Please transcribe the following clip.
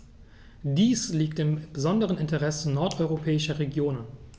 Dies liegt im besonderen Interesse nordeuropäischer Regionen.